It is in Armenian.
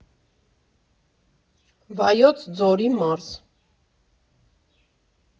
Վայոց Ձորի մարզ։